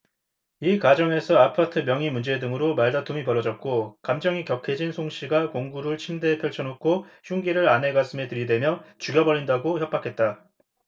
이 과정에서 아파트 명의 문제 등으로 말다툼이 벌어졌고 감정이 격해진 송씨가 공구를 침대에 펼쳐놓고 흉기를 아내 가슴에 들이대며 죽여버린다고 협박했다